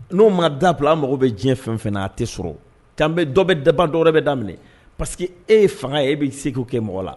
N'o ma da bila an mago bɛ diɲɛ fɛn o fɛn na a tɛ sɔrɔ c'an bɛ dɔ bɛ ban dɔ wɛrɛ bɛ daminɛ parce que e ye fanga ye e b'i se ko kɛ mɔgɔ la